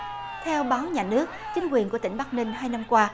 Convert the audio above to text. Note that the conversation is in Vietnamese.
theo báo nhà nước chính quyền của tỉnh bắc ninh hai năm qua